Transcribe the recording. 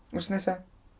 Wythnos nesa?